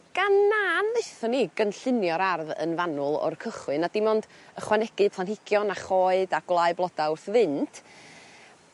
Gan na nethon ni gynllunio'r ardd yn fanwl o'r cychwyn a dim ond ychwanegu planhigion a choed a gwlau bloda wrth fynd